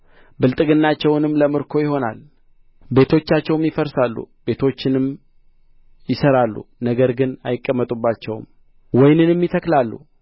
ብልጥግናቸውም ለምርኮ ይሆናል ቤቶቻቸውም ይፈርሳሉ ቤቶችንም ይሠራሉ ነገር ግን አይቀመጡባቸውም ወይንንም ይተክላሉ